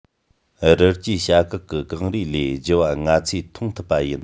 རི སྐྱེས བྱ གག གི རྐང རུས ལས ལྗི བ ང ཚོས མཐོང ཐུབ པ ཡིན